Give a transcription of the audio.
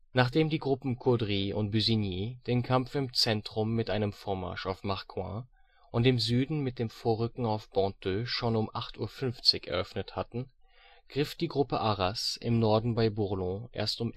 Nachdem die Gruppen " Caudry " und " Busigny " den Kampf im Zentrum mit einem Vormarsch auf Marcoing und im Süden mit dem Vorrücken auf Banteux schon um 8.50 Uhr eröffnet hatten, griff die Gruppe " Arras " im Norden bei Bourlon erst um